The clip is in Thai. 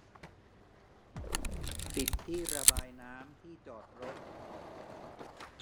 ปิดที่ระบายน้ำที่จอดรถ